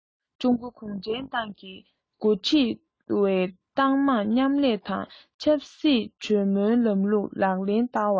ཀྲུང གོ གུང ཁྲན ཏང གིས འགོ ཁྲིད པའི ཏང མང མཉམ ལས དང ཆབ སྲིད གྲོས མོལ ལམ ལུགས ལག ལེན བསྟར བ